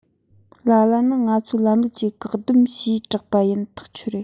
ལ ལ ནི ང ཚོའི ལམ ལུགས ཀྱིས བཀག འདོམས བྱས དྲགས པ ཡིན ཐག ཆོད རེད